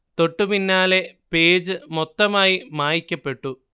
തൊട്ടു പിന്നാലെ പേജ് മൊത്തമായി മായ്ക്കപ്പെട്ടു